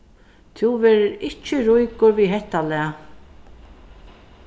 tú verður ikki ríkur við hetta lag